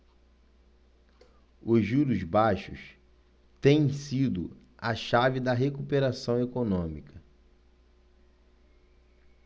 os juros baixos têm sido a chave da recuperação econômica